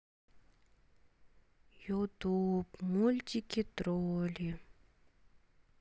ютуб мультики тролли